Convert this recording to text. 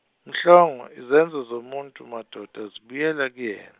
Mhlongo, izenzo zomuntu madoda zibuyela kuyen-.